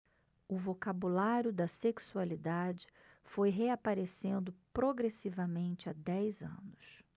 o vocabulário da sexualidade foi reaparecendo progressivamente há dez anos